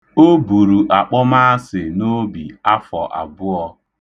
O buru akpọmaasị n'obi afọ abụọ.